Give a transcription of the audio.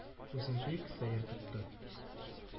Үзен бик сәер тотты.